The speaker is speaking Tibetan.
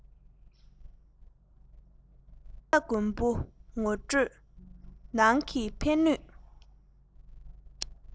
དབྱར རྩྭ དགུན འབུ ངོ སྤྲོད ནང གི ཕན ནུས